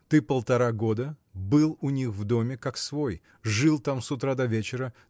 Ты полтора года был у них в доме как свой жил там с утра до вечера